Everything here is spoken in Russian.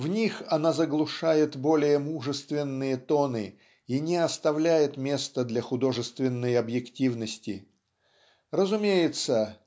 в них она заглушает более мужественные тоны и не оставляет места для художественной объективности. Разумеется